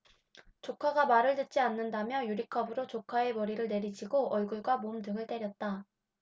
조카가 말을 듣지 않는다며 유리컵으로 조카의 머리를 내리치고 얼굴과 몸 등을 때렸다